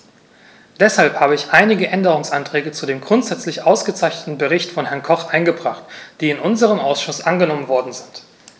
Deshalb habe ich einige Änderungsanträge zu dem grundsätzlich ausgezeichneten Bericht von Herrn Koch eingebracht, die in unserem Ausschuss angenommen worden sind.